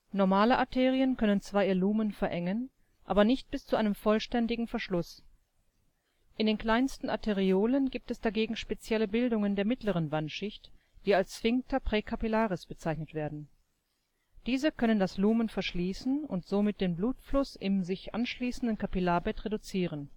Normale Arterien können zwar ihr Lumen verengen, aber nicht bis zu einem vollständigen Verschluss. In den kleinsten Arteriolen gibt es dagegen spezielle Bildungen der mittleren Wandschicht, die als Sphincter praecapillaris bezeichnet werden. Diese können das Lumen verschließen und somit den Blutfluss im sich anschließenden Kapillarbett reduzieren